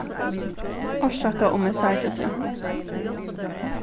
orsaka um eg særdi teg